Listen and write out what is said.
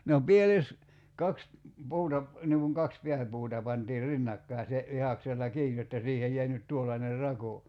no pieles kaksi puuta - niin kuin kaksi pääpuuta pantiin rinnakkain se vihdaksella kiinni jotta siihen jäi nyt tuollainen rako